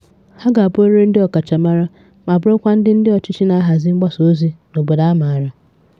Ha ga-abụrịrị ndị ọkachamara ma bụrụkwa ndị ndị ọchịchị na-ahazi mgbasa ozi n'obodo a mara.